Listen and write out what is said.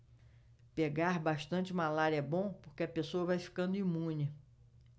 pegar bastante malária é bom porque a pessoa vai ficando imune